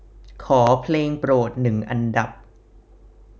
ขอเพลงโปรดหนึ่งอันดับ